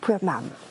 Pwy o'dd mam?